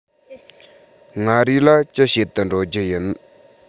མངའ རིས ལ ཅི བྱེད དུ འགྲོ རྒྱུ ཡིན